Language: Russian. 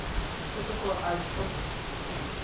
что такое альфа